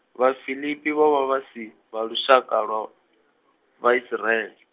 Vhafilipi vho vha vhasi, vha lushaka lwa, Vhaisiraele.